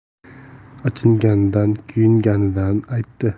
achinganidan kuyunganidan aytdi